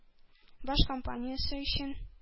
Бош компаниясе өчен